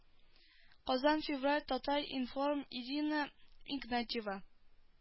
Казан февраль татар-информ ирина игнатьева